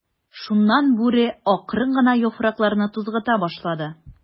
Шуннан Бүре акрын гына яфракларны тузгыта башлады.